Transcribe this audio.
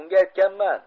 unga aytganman